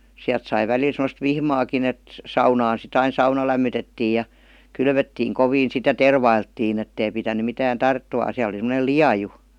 sieltä sai välillä semmoista vihmaakin että saunaan sitten aina sauna lämmitettiin ja kylvettiin kovin sitten ja tervailtiin että ei pitänyt mitään tarttuman siellä oli semmoinen lieju